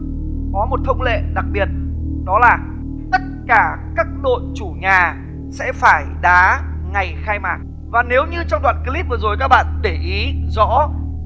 có một thông lệ đặc biệt đó là tất cả các đội chủ nhà sẽ phải đá ngày khai mạc và nếu như trong đoạn cờ líp vừa rồi các bạn để ý rõ